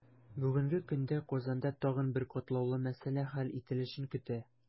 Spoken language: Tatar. Бүгенге көндә Казанда тагын бер катлаулы мәсьәлә хәл ителешен көтә.